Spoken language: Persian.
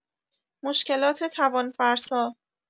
مشکلات توان‌فرسا